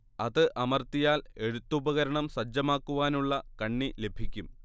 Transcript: അത് അമർത്തിയാൽ എഴുത്തുപകരണം സജ്ജമാക്കുവാനുള്ള കണ്ണി ലഭിക്കും